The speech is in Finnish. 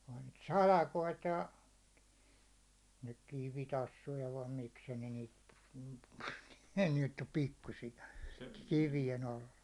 onhan niitä salakoita ja nyt kivitassuja vai miksikä ne niitä ne nyt on pikkuisia kivien alla